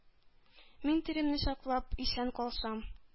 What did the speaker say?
Мин тиремне саклап исән калсам,